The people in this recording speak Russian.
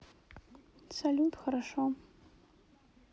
салют хорошо